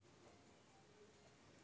какой нибудь фильм